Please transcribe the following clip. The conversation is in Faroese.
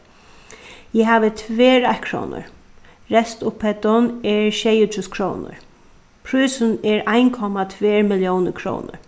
eg havi tvær eittkrónur restupphæddin er sjeyogtrýss krónur prísurin er ein komma tvær milliónir krónur